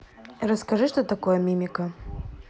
расскажи что такое мимика